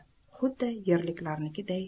xuddi yerliklarnikiday